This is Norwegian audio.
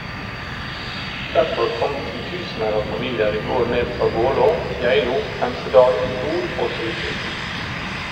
Derfor kom titusener av familier i går ned fra Gålå , Geilo, Hemsedal , Gol og Trysil.